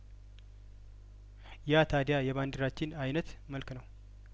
ያታድያ የባንዲራችን አይነት መልክ ነው